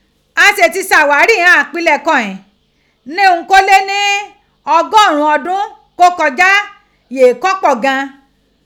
A se ti ṣàghárí ighan àpilẹ̀kọ ghin ní hun kó lé ní ọgọ́rùn ún ọdún kó kọjá, yee kó pọ̀ gan an.